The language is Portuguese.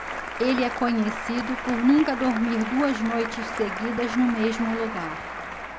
ele é conhecido por nunca dormir duas noites seguidas no mesmo lugar